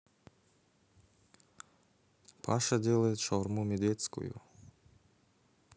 паша делает шаурму медведскую